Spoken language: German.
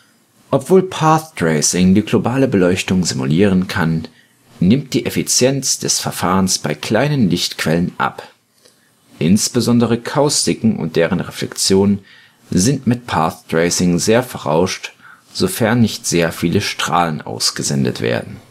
Obwohl Path Tracing die globale Beleuchtung simulieren kann, nimmt die Effizienz des Verfahrens bei kleinen Lichtquellen ab. Insbesondere Kaustiken und deren Reflexionen sind mit Path Tracing sehr verrauscht, sofern nicht sehr viele Strahlen ausgesendet werden